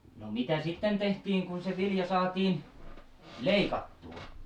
no mitä sitten tehtiin kun se vilja saatiin leikattua